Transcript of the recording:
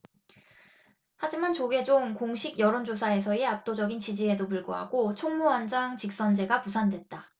하지만 조계종 공식 여론조사에서의 압도적인 지지에도 불구하고 총무원장 직선제가 무산됐다